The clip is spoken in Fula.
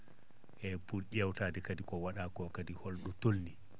e pour ƴeewtaade kadi ko waɗaako kadi holɗo tolnii